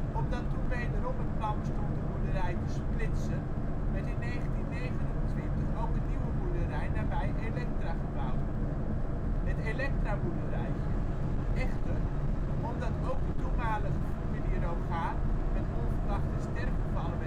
Omdat toen wederom het plan bestond de boerderij te splitsen, werd in 1929 ook een nieuwe boerderij nabij Electra gebouwd; het ' Electraboerderijtje '. Echter, omdat ook de toenmalige familie Rogaar met onverwachte sterfgevallen werd